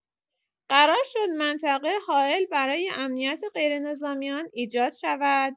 قرار شد منطقه حائل برای امنیت غیرنظامیان ایجاد شود.